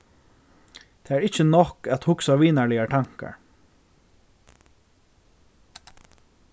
tað er ikki nokk at hugsa vinarligar tankar